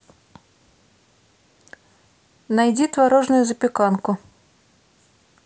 найди творожную запеканку